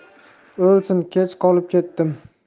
kech qolib ketdim